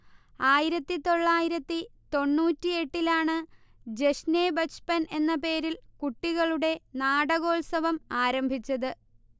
ആയിരത്തി തൊള്ളായിരത്തി തൊണ്ണൂറ്റിയെട്ടിലാണ് ജഷ്നേ ബച്പൻ എന്ന പേരിൽ കുട്ടികളുടെ നാടകോത്സവം ആരംഭിച്ചത്